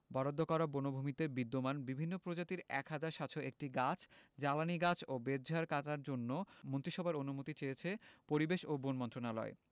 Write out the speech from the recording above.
বরাদ্দ করা বনভূমিতে বিদ্যমান বিভিন্ন প্রজাতির ১ হাজার ৭০১টি গাছ জ্বালানি গাছ ও বেতঝাড় কাটার জন্য মন্ত্রিসভার অনুমতি চেয়েছে পরিবেশ ও বন মন্ত্রণালয়